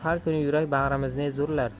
har kuni yurak bag'rimizni ezurlar